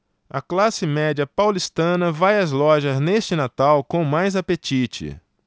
a classe média paulistana vai às lojas neste natal com mais apetite